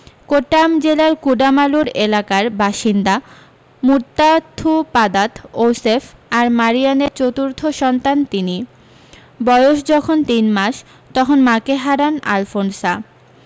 কোট্টায়াম জেলার কুডামালুর এলাকার বাসিন্দা মুত্তাথুপাদাথ ঔসেফ আর মারিয়ানের চতুর্থ সন্তান তিনি বয়স যখন তিন মাস তখন মাকে হারান আলফোনসা